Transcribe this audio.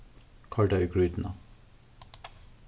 koyr tað í grýtuna